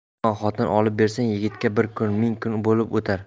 yomon xotin olib bersang yigitga bir kuni ming kun bo'lib o'tar